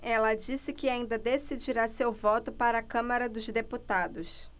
ela disse que ainda decidirá seu voto para a câmara dos deputados